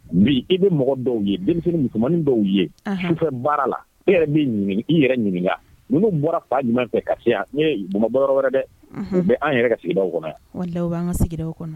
N i bɛ mɔgɔ dɔw ye denmisɛn musomanmani dɔw ye baara la e yɛrɛ i yɛrɛ ɲininka n bɔra fa ɲuman fɛ kasiya n ye wɛrɛ dɛ u bɛ anan yɛrɛ sigiw kɔnɔ bɛ'an ka sigiw kɔnɔ